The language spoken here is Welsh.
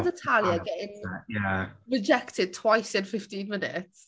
Natalia... o a yy ie ...getting rejected twice in fifteen minutes*.